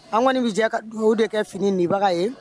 Anw kɔni bi jɛ ka duwawu kɛ fini nibaga ye.